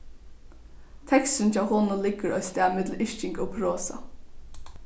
teksturin hjá honum liggur eitt stað millum yrking og prosa